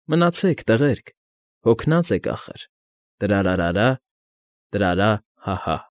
Մնացեք, տղերք, Հոգնած եք, ախըր, Տրա֊րա, Տրա֊րա֊րա, Հա֊հա։